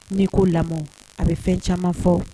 N'i ko lamɔ a bɛ fɛn caman fɔ